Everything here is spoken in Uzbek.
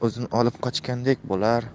o'zini olib qochgandek bo'lar